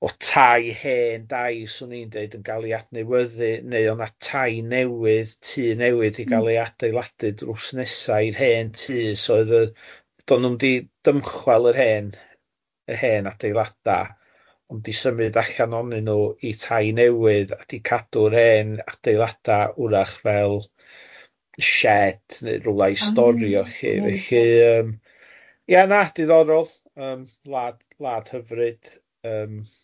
...o tai hen dai, o'n i'n deud, yn cael ei adnewyddu, neu oedd yna tai newydd, tŷ newydd, i gael ei adeiladu drws nesa i'r hen tŷ. So oedd yy do'n nhw'm di dymchwel yr hen, yr hen adeilada, ond di symud allan ohonyn nhw i tai newydd, a di cadw'r hen adeilada wrach fel shed neu rywla i storio lly. Ia na diddorol, na gwlad hyfryd.